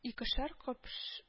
Икешәр копш